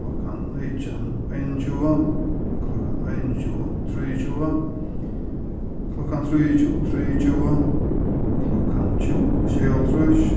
klokkan nítjan einogtjúgu klokkan einogtjúgu trýogtjúgu klokkan trýogtjúgu trýogtjúgu klokkan tjúgu og sjeyoghálvtrýss